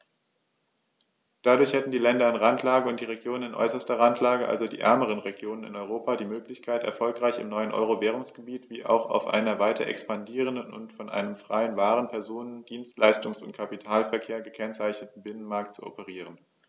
Dadurch hätten die Länder in Randlage und die Regionen in äußerster Randlage, also die ärmeren Regionen in Europa, die Möglichkeit, erfolgreich im neuen Euro-Währungsgebiet wie auch auf einem weiter expandierenden und von einem freien Waren-, Personen-, Dienstleistungs- und Kapitalverkehr gekennzeichneten Binnenmarkt zu operieren.